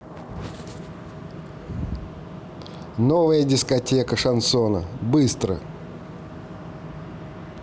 новая дискотека шансона быстро